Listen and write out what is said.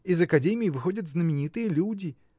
Из академии выходят знаменитые люди.